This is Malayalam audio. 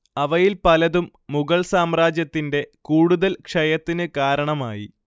അവയിൽ പലതും മുഗൾ സാമ്രാജ്യത്തിന്റെ കൂടുതൽ ക്ഷയത്തിന് കാരണമായി